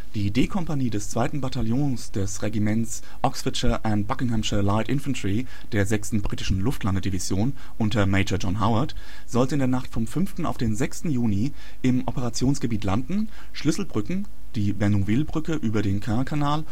Die D-Kompanie des 2. Bataillons des Regiments Oxfordshire & Buckinghamshire Light Infantry der 6. Britischen Luftlandedivision unter Major John Howard sollte in der Nacht vom 5. auf den 6. Juni im Operationsgebiet landen, Schlüsselbrücken – die Benouvillebrücke über den Caen-Kanal